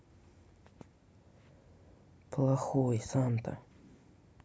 плохой санта